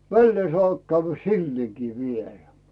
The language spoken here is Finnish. väleen saa käydä silleenkin vielä